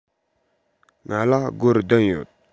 ང ལ སྒོར བདུན ཡོད